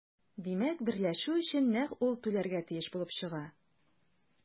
Димәк, берләшү өчен нәкъ ул түләргә тиеш булып чыга.